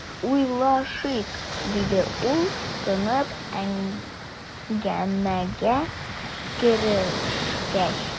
"уйлашыйк", - диде ул, тынып, әңгәмәгә керешкәч.